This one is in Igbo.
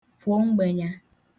kwo mgbenya